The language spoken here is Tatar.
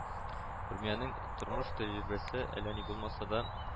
Румиянең тормош тәҗрибәсе әлә ни булмасада